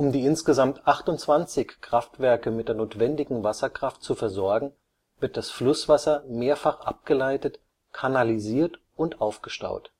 die insgesamt 28 Kraftwerke mit der notwendigen Wasserkraft zu versorgen, wird das Flusswasser mehrfach abgeleitet, kanalisiert und aufgestaut